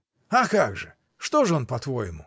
— А как же: что ж он, по-твоему?